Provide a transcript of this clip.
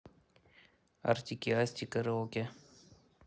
артик и асти караоке